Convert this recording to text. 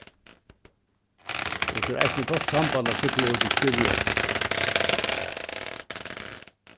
og tað er eisini gott samband at sigla út til skúvoyar